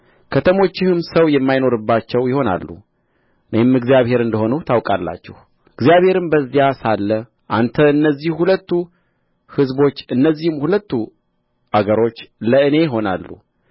ከተሞችህም ሰው የማይኖርባቸው ይሆናሉ እኔም እግዚአብሔር እንደ ሆንሁ ታውቃላችሁ እግዚአብሔርም በዚያ ሳለ አንተ እነዚህ ሁለቱ ሕዝቦች እነዚህም ሁለቱ አገሮች ለእኔ ይሆናሉ